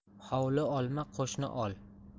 hovli olma qo'shni ol